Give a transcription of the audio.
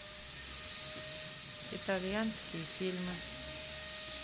итальянские фильмы